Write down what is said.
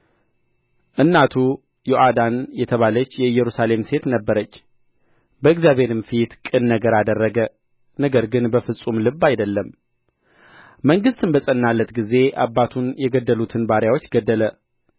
እናቱ ዮዓዳን የተባለች የኢየሩሳሌም ሴት ነበረች በእግዚአብሔርም ፊት ቅን ነገር አደረገ ነገር ግን በፍጹም ልብ አይደለም መንግሥትም በጸናለት ጊዜ አባቱን የገደሉትን ባሪያዎች ገደለ